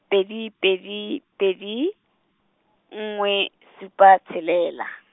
pedi pedi pedi, nngwe supa tshelela.